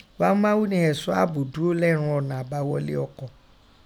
Ghámúghámú nìghọn ẹṣọ aabo dúró lẹrun ọ̀nà àbághọlé ọkọ̀.